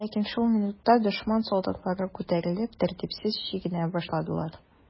Ләкин шул минутта дошман солдатлары күтәрелеп, тәртипсез чигенә башладылар.